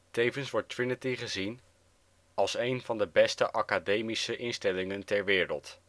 Tevens wordt Trinity gezien als een van de beste academische instellingen ter wereld